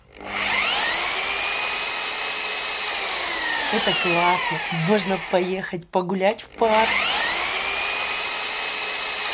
это классно можно поехать погулять в парк